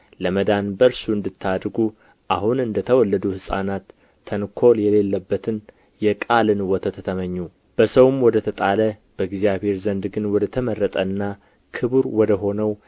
ለመዳን በእርሱ እንድታድጉ አሁን እንደ ተወለዱ ሕፃናት ተንኰል የሌለበትን የቃልን ወተት ተመኙ በሰውም ወደ ተጣለ በእግዚአብሔር ዘንድ ግን ወደ ተመረጠና ክቡር ወደ ሆነው